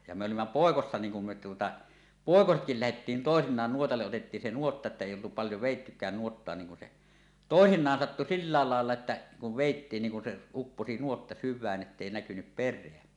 ja me olimme poikasina niin kun me tuota poikasetkin lähdettiin toisinaan nuotalle otettiin se nuotta että ei oltu paljon vedettykään nuottaa niin kun se toisinaan sattui sillä lailla lailla että kun vedettiin niin kun se upposi nuotta syvään että ei näkynyt perää